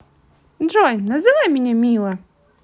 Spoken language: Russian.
джой называй меня мила